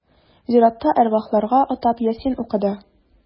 Зиратта әрвахларга атап Ясин укыды.